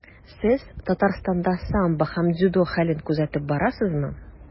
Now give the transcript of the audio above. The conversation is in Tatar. Сез Татарстанда самбо һәм дзюдо хәлен күзәтеп барасызмы?